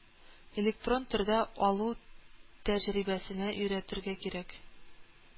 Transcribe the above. Электрон төрдә алу тәҗрибәсенә өйрәтергә кирәк